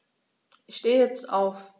Ich stehe jetzt auf.